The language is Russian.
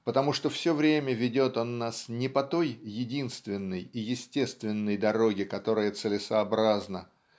потому что все время ведет он нас не по той единственной и естественной дороге которая целесообразна